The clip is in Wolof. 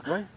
oui